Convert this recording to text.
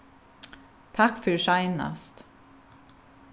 takk fyri seinast